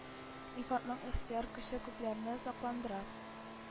Илфатның ихтыяр көче күпләрне сокландыра: